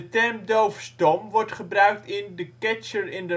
term doofstom wordt gebruikt in The Catcher in